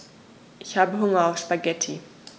Ich habe Hunger auf Spaghetti.